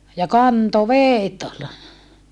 ja kantoi vedet oli